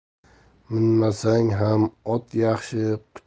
minmasang ham ot yaxshi